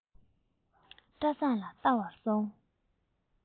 བཀྲ བཟང ལ བལྟ བར སོང